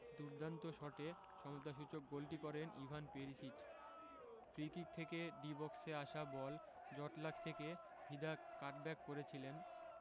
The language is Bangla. দুর্দান্ত শটে সমতাসূচক গোলটি করেন ইভান পেরিসিচ ফ্রিকিক থেকে ডি বক্সে আসা বল জটলা থেকে ভিদা কাটব্যাক করেছিলেন